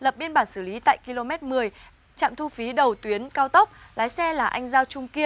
lập biên bản xử lý tại ki lô mét mười trạm thu phí đầu tuyến cao tốc lái xe là anh giao trung kiên